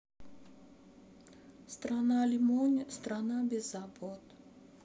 страна лимония страна без забот